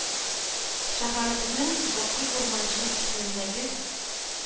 Шәһәребезнең Бакый Урманче исемендәге